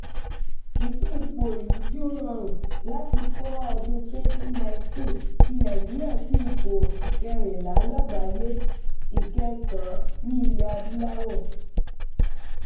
Ìpín ipò Ìlú tí ó rọrùn láti fọ́ ọdún-un 2019 fi Nàìjíríà sí ipò kẹrìnlá lágbàáyé, ìkẹsàn-án ní Ilẹ̀-Adúláwọ̀.